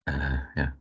Yy ia.